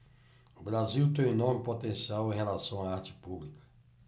o brasil tem um enorme potencial em relação à arte pública